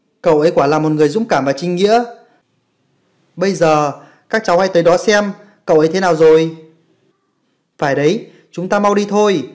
cạu ấy quả là một người dũng cảm và chính nghĩa bây giờ các cháu hãy tới đó xem cậu ấy thế nào rồi phải đấy chúng ta mau đi thôi